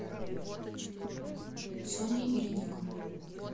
sony или nikon